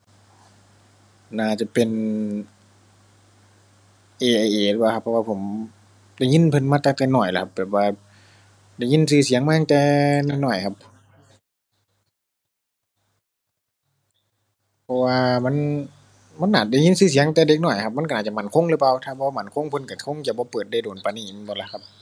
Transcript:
น่าจะเป็น AIA หรือเปล่าครับ เพราะว่าผมได้ยินเพิ่นมาแต่ก็น้อยละครับ แบบว่าได้ยินก็เสียงมาตั้งแต่น้อยน้อยครับ เพราะว่ามัน มันน่าได้ยินก็เสียงตั้งแต่เด็กน้อยครับ มันก็น่าจะมั่นคงหรือเปล่า ถ้าบ่มั่นคงเพิ่นก็คงจะบ่เปิดได้โดนปานนี้ แม่นบ่ล่ะครับ